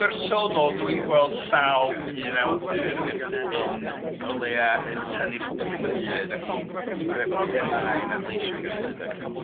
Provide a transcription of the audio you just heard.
Yn bersonol, dwi'n gweld llaw un awdur yn, o leiaf, yn tynnu popeth ynghyd i sicrhau bod themâu yn adleisio'i gilydd ac yn y blaen.